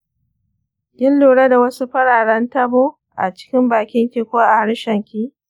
kin lura da wasu fararen tabo a cikin bakinki ko a harshenki?